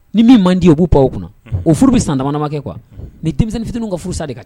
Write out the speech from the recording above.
Ni min man di o b'u p o kunna o furu bɛ san damabanabakɛ kuwa ni denmisɛnmisɛn fitun ka furu sa de kan